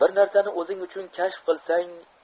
bir narsani 'zing uchun kashf qilsang